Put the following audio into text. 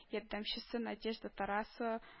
Ярдәмчесе надежда тарасова